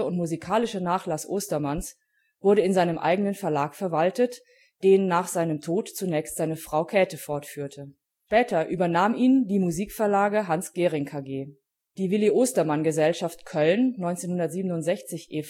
musikalische Nachlass Ostermanns wurde in seinem eigenen Verlag verwaltet, den nach seinem Tod zunächst seine Frau Käthe fortführte. Später übernahm ihn die Musikverlage Hans Gerig KG. Die Willi Ostermann Gesellschaft Köln 1967 e.V. pflegt das Andenken des Künstlers. Zu Ehren von Willi Ostermann wurde 1967 die